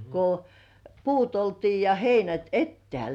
kun puut oltiin ja heinät etäällä